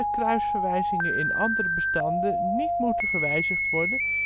kruisverwijzingen in andere bestanden niet moeten gewijzigd worden